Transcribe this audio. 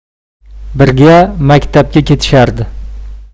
birga maktabga ketishardi